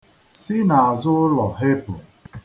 Si n'azụ ụlọ hepu.